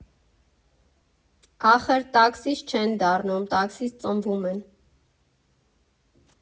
Ախր, տաքսիստ չեն դառնում, տաքսիստ ծնվում են։